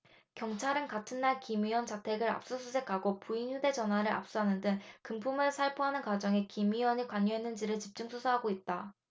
경찰은 같은 날 김 의원 자택을 압수수색하고 부인 휴대전화를 압수하는 등 금품을 살포하는 과정에 김 의원이 관여했는지를 집중 수사하고 있다